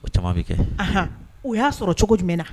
O caman bɛ kɛan o y'a sɔrɔ cogo jumɛn na